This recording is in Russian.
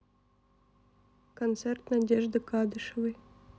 концерт надежды кадышевой